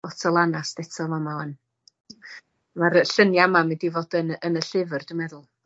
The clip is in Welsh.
lot o lanast eto fama 'wan. Ma'r yy llunia' 'ma'n mynd i di fod yn yn y llyfyr dwi meddwl.